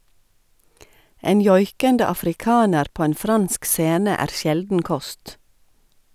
En joikende afrikaner på en fransk scene, er sjelden kost.